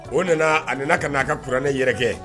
O de a na ka na a ka kuranɛ yɛrɛ kɛ